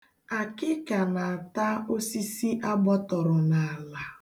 Akịka na-ata osisi a gbọtọrọ n'ala.